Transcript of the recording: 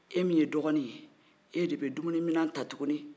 e min ye dɔgɔni ye e de bɛ dumunimina ta tuguni